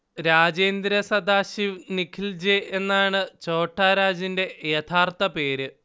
രാജേന്ദ്ര സദാശിവ് നിഖൽജെ യെന്നാണ് ഛോട്ടാ രാജന്റെ യഥാർത്ഥ പേര്